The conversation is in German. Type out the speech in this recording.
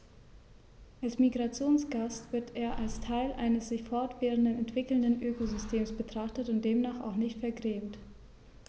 Als Migrationsgast wird er als Teil eines sich fortwährend entwickelnden Ökosystems betrachtet und demnach auch nicht vergrämt.